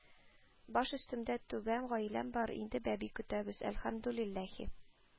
“баш өстемдә – түбәм, гаиләм бар, инде бәби көтәбез, әлхәмдүлилләһи